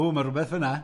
O, ma' rwbeth fyna.